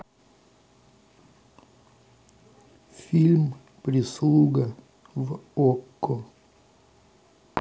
фильм прислуга в окко